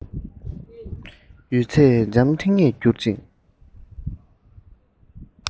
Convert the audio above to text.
ཡོད ཚད འཇམ ཐིང ངེར གྱུར རྗེས